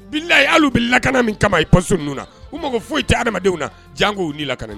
Bi la hali bɛ lakana min kama i pa ninnu na u mako ko foyi tɛ adamadamadenw na k'u ni lakana